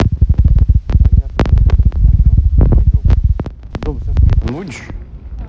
а я думаю что ты мой друг мой друг дом со светом будешь